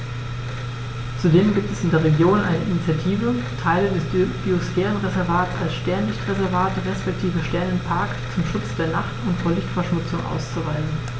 Zudem gibt es in der Region eine Initiative, Teile des Biosphärenreservats als Sternenlicht-Reservat respektive Sternenpark zum Schutz der Nacht und vor Lichtverschmutzung auszuweisen.